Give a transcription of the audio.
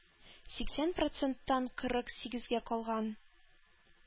Сиксән проценттан кырык сигезгә калган.